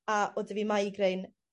a o'dd 'dy fi migrain